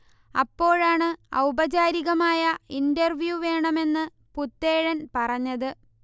അപ്പോഴാണ് ഔപചാരികമായ ഇന്റർവ്യൂ വേണം എന്ന് പുത്തേഴൻ പറഞ്ഞത്